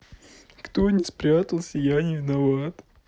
кто не спрятался я не виноват